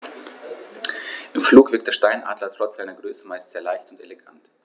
Im Flug wirkt der Steinadler trotz seiner Größe meist sehr leicht und elegant.